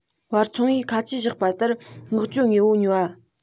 བར ཚོང པས ཁ ཆད བཞག པ ལྟར མངགས བཅོལ དངོས པོ ཉོས པ